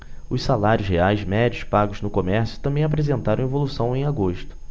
os salários reais médios pagos no comércio também apresentaram evolução em agosto